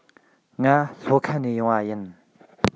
ང ལྷོ ཁ ནས ཡོང པ ཡིན